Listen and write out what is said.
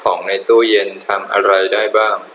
ของในตู้เย็นทำอะไรได้บ้าง